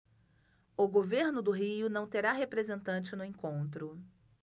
o governo do rio não terá representante no encontro